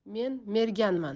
men merganman